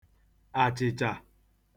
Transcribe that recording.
àchị̀chà